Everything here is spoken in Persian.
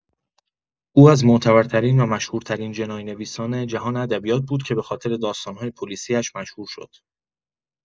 او از معتبرترین و مشهورترین جنایی نویسان جهان ادبیات بود که به‌خاطر داستان‌های پلیسی اش مشهور شد.